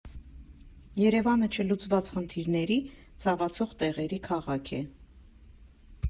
Երևանը չլուծված խնդիրների, ցավացող տեղերի քաղաք է։